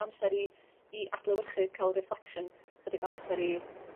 amsar i i adlewyrchu ca'l reflection chydig amsar i